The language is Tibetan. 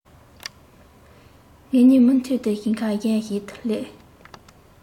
ངེད གཉིས མུ མཐུད དུ ཞིང ཁ གཞན ཞིག ཏུ སླེབས